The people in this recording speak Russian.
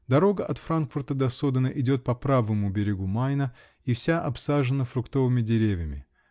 Дорога от Франкфурта до Содена идет по правому берегу Майна и вся обсажена фруктовыми деревьями.